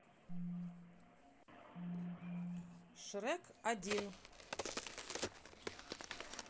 шрек один